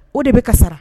O de bɛ ka sara